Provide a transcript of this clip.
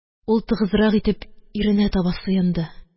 Ул тыгызрак итеп иренә таба сыенды.